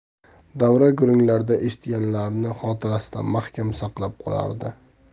davra gurunglarda eshitganlarini xotirasida mahkam saqlab qolardi